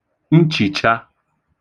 nchìcha